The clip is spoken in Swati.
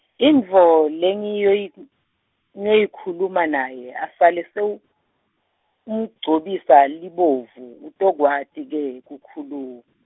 intfo lengiyoyik- -yikhuluma naye asale sewumugcobisa libovu utokwati ke kukhulum-.